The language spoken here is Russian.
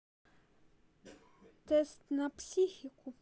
тест на психику